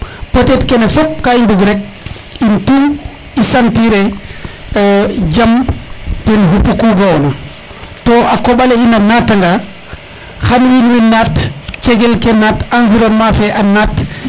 peut etre kene fop ka i mbug rek in tout i sentir e jam ten xupu ku ga ona to a koɓale in a nata nga xan wiin we naat cegel ke naat environnement fe a naat